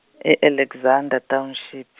e- Alexander Township.